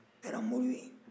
olu kɛra moriw ye